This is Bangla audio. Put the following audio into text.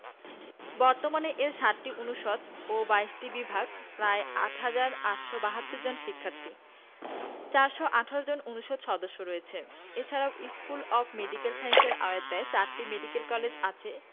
বর্তমানে এর ৭টি অনুষদ ও ২২টি বিভাগ প্রায় ৮ হাজার ৮৭২ জন শিক্ষার্থী ৪১৮ জন অনুষদ সদস্য রয়েছে এছাড়া স্কুল অব মেডিক্যাল সায়েন্সের আওতায় চারটি মেডিক্যাল কলেজ আছে